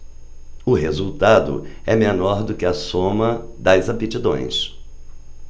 o resultado é menor do que a soma das aptidões